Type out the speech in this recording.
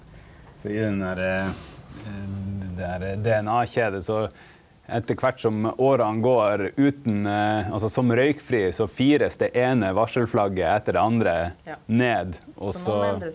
så i den herren den herre DNA-kjeda så etter kvart som åra går utan altså som røykfri så firast det eine varselflagget etter det andre ned også.